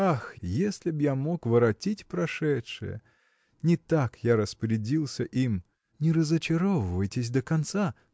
Ах, если б я мог воротить прошедшее! Не так я распорядился им. – Не разочаровывайтесь до конца!